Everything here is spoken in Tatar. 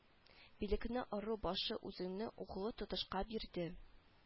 Билекне ыру башы үзенең углы тотышка бирде